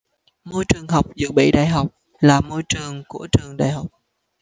môi trường học dự bị đại học là môi trường của trường đại học